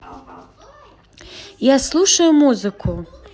я слушаю музыку